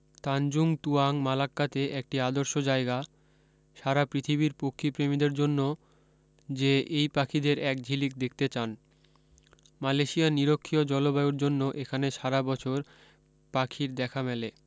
Tanjung Tuang মালাক্কাতে একটি আদর্শ জায়গা সারা পৃথিবীর পক্ষী প্রেমীদের জন্য যে এই পাখিদের এক ঝিলিক দেখতে চান মালয়েশিয়ার নিরক্ষীয় জলবায়ুর জন্য এখানে সারা বছর পাখির দেখা মেলে